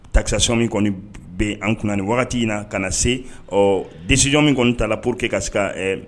Taxation min kɔni bɛ an kunna ni wagati in na,t ka na se o decission min kɔni t ta la pour que ka se ka